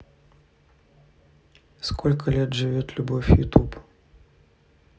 сколько живет любовь ютуб